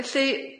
Felly,